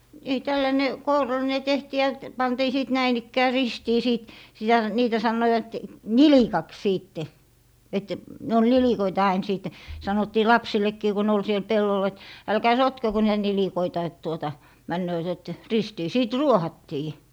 niin tällainen kourallinen tehtiin ja - pantiin sitten näin ikään ristiin siitä sitä niitä sanoivat nilikaksi sitten että ne oli nilikoita aina sitten sanottiin lapsillekin kun ne oli siellä pellolla että älkää sotkeko niitä nilikoita että tuota menevät että ristiin sitten ruohattiin